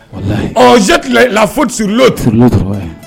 Walahi. On jette les la faute sur l'autre_